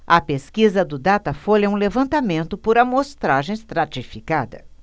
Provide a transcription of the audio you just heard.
a pesquisa do datafolha é um levantamento por amostragem estratificada